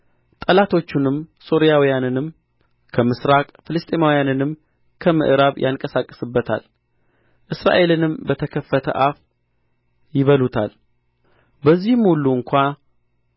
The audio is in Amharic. ጠላቶቹን ሶርያውያንንም ከምሥራቅ ፍልስጥኤማውያንንም ከምዕራብ ያንቀሳቅስበታል እስራኤልንም በተከፈተ አፍ ይበሉታል በዚህም ሁሉ እንኳ